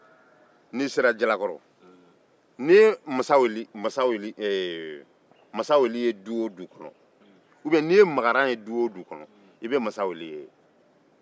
n'i sera jalakɔrɔ n'i ye masaweli ye du o du kɔnɔ i bɛ makaran ye yen